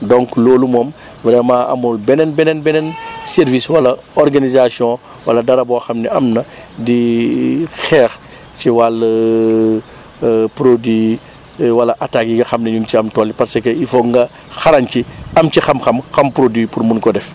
donc loolu moom vraiment amul beneen beneen beneen service wala organisation wala dara boo xam ne am na di xeex si wàll produit wala attaque yi nga xam ne ñu ngi ci am tool yiparce que il foog nga xarañ ci am ci xam-xam xam produit pour mun ko def